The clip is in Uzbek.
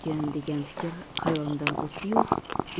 degan fikr xayolimdan o'tdi yu